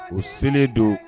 U selen don